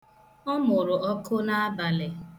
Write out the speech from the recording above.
Ọ mụrụ ọkụ n'abalị.